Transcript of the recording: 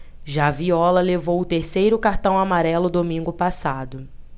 já viola levou o terceiro cartão amarelo domingo passado